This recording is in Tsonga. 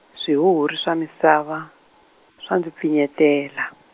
swihuhuri swa misava, swa ndzi pfinyetela.